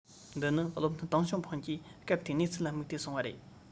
འདི ནི བློ མཐུན ཏེང ཞའོ ཕིན གྱིས སྐབས དེའི གནས ཚུལ ལ དམིགས ཏེ གསུངས པ རེད